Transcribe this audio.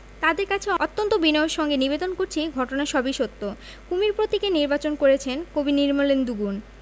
তাঁদের কাছে অত্যন্ত বিনয়ের সঙ্গে নিবেদন করছি ঘটনা সবই সত্য কুমীর প্রতীকে নির্বাচন করেছেন কবি নির্মলেন্দু গুণ